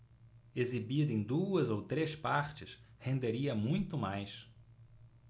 exibida em duas ou três partes renderia muito mais